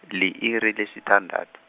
li-iri lesithandathu.